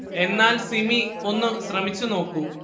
എന്നാൽ സിമി ഒന്നു ശ്രമിച്ചു നോക്കൂ